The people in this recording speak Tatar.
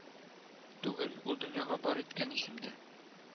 Түгел, ул дөньяга бар иткән исемдә